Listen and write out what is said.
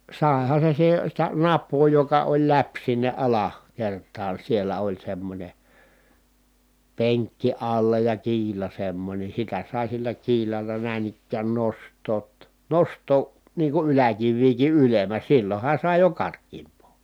saihan se - sitä napaa joka oli läpi sinne - alakertaan siellä oli semmoinen penkki alla ja kiila semmoinen sitä sai sillä kiilalla näin ikään nostaa - nostaa niin kuin yläkiviäkin ylemmä silloinhan sai jo karkeampaa